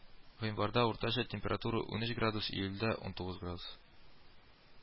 Гыйнварда уртача температура унөч градус; июльдә унтугыз градус